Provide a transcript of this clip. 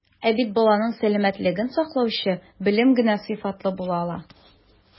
Ә бит баланың сәламәтлеген саклаучы белем генә сыйфатлы була ала.